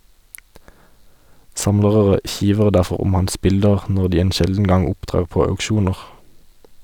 Samlere kiver derfor om hans bilder, når de en sjelden gang opptrer på auksjoner.